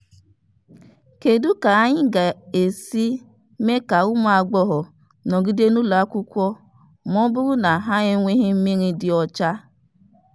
Kedu ka anyị ga-esi mee ka ụmụ agbọghọ nọgide n'ụlọ akwụkwọ ma ọ bụrụ na ha enweghị mmiri dị ọcha?